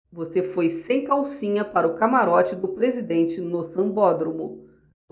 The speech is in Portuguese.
você foi sem calcinha para o camarote do presidente no sambódromo